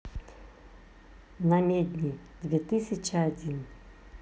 намедни две тысячи один